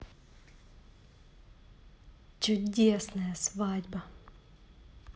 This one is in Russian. чудесная свадьба